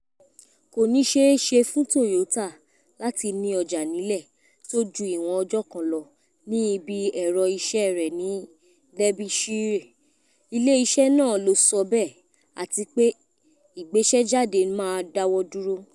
Kò ní ṣeéṣe fún Tòyótà láti ní ọjà nílẹ̀ tó ju ìwọ̀n ọjọ́ kan lọ ní ibi Ẹ̀rọ iṣẹ́ rẹ̀ ní Derbyshire, ilé iṣẹ́ náà ló sọ bẹ́ẹ̀, àtipé ìgbéṣẹ́jáde máa dáwọ́ dúró.